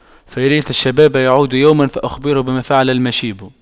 فيا ليت الشباب يعود يوما فأخبره بما فعل المشيب